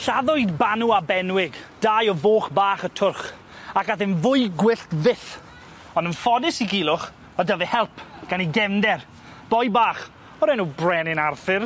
Lladdwyd Banw a Benwig, dau o foch bach y twrch ac ath e'n fwy gwyllt fyth, on' yn ffodus i Gulhwch, o'dd 'dy fe help gan ei gefnder, boi bach o'r enw Brenin Arthur.